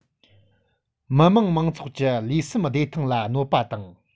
མི དམངས མང ཚོགས ཀྱི ལུས སེམས བདེ ཐང ལ གནོད པ དང